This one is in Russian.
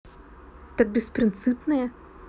так беспринципные